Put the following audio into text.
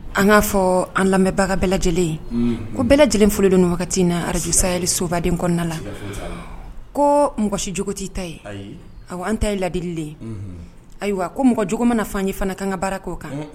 An k'a fɔ an lamɛnbaga bɛɛ lajɛlen ye, unhun, ko bɛɛ lajɛlen foli don ni wagati in na radio sahel sobaden kɔnɔna la, siga foyi t'a la, ko mɔgɔ si cogo t'i ta ye, ayi, ayiwa an ta ye ladili de yen, unhun, ayiwa ko mɔgɔ cogo mana na f'an ye fana, kan ka baara k'o kan, un.